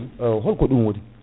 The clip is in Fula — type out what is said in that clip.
holko ɗum woni